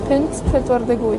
Punt pedwar deg wyth.